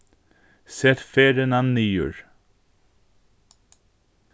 set ferðina niður